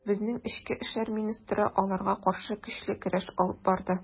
Безнең эчке эшләр министры аларга каршы көчле көрәш алып барды.